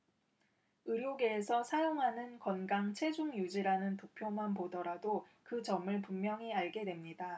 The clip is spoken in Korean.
의료계에서 사용하는 건강 체중 유지라는 도표만 보더라도 그 점을 분명히 알게 됩니다